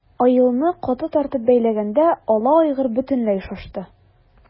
Аелны каты тартып бәйләгәндә ала айгыр бөтенләй шашты.